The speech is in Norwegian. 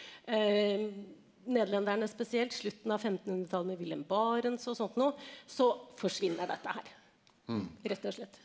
nederlenderne spesielt slutten av femtenhundretallet Willelm Barents og sånt noe så forsvinner dette her rett og slett.